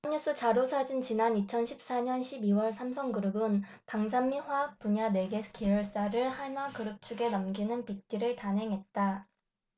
연합뉴스 자료사진 지난 이천 십 사 년 십 이 월 삼성그룹은 방산 및 화학 분야 네 개 계열사를 한화그룹 측에 넘기는 빅딜을 단행했다